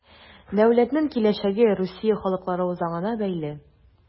Дәүләтнең киләчәге Русия халыклары үзаңына бәйле.